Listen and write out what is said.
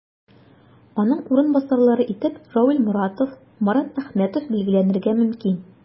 Аның урынбасарлары итеп Равил Моратов, Марат Әхмәтов билгеләнергә мөмкин.